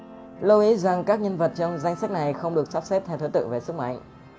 lưu ý các nhân vật trong danh sách này không được sắp xếp theo thứ tự về sức mạnh